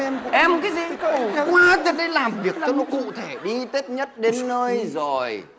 em cái gì khổ quá thật đấy làm việc cho nó cụ thể đi tết nhất đến nơi rồi